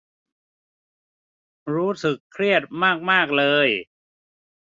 รู้สึกเครียดมากมากเลย